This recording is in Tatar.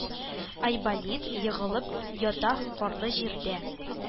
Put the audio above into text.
Айболит егылып ята карлы жирдә: